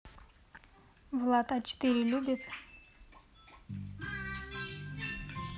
влад а четыре любит